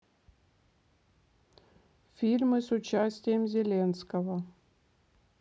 фильмы с участием зеленского